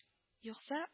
Юкса